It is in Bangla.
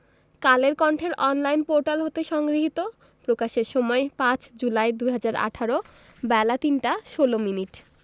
কালের কন্ঠের অনলাইন পোর্টাল হতে সংগৃহীত প্রকাশের সময় ৫ জুলাই ২০১৮ বেলা ৩টা ১৬ মিনিট